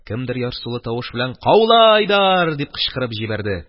Кемдер ярсулы тавыш белән: «Каула, Айдар!» – дип кычкырып җибәрде.